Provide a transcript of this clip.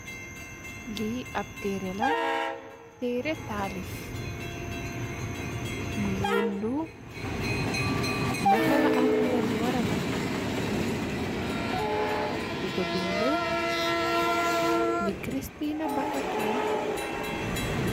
Li ap terreh la, terreh taliff muy windu nakala aduna bi wara mel. Kiko windu muy kiristina Bakakilin.